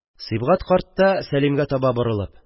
Сибгать карт та, Сәлимгә таба борылып: